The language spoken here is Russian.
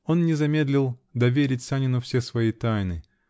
Он не замедлил доверить Санину все свои тайны.